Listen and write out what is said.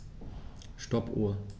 Stoppuhr.